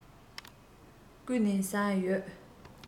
བརྐུས ནས ཟ ཡི ཡོད